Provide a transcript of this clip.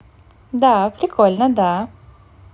да прикольно да